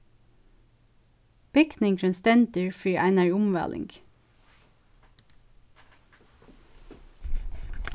bygningurin stendur fyri einari umvæling